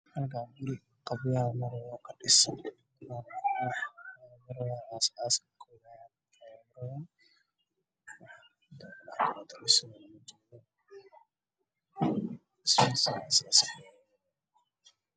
Meshan waa guri qabyo ah oo bulukeedi ka samey